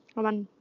a ma'n